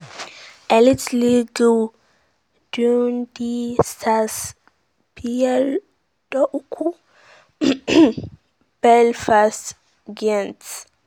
Elite League: Dundee Stars 5-3 Belfast Giants